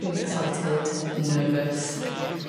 Dwi'n excited. Ynnervous.